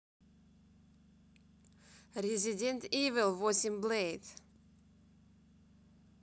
resident evil восемь блейд